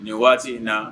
Nin waati in na